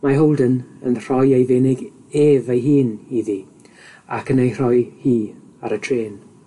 Mae Holden yn rhoi ei fenig ef ei hun iddi ac yn ei rhoi hi ar y trên